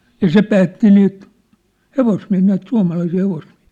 ja se päätti niitä hevosmiehiä näitä suomalaisia hevosmiehiä